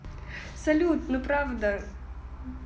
салют ну правда